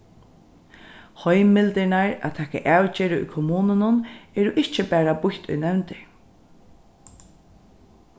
heimildirnar at taka avgerðir í kommununum eru ikki bara býtt í nevndir